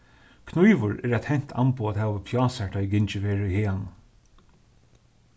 knívur er eitt hent amboð at hava uppi á sær tá ið gingið verður í haganum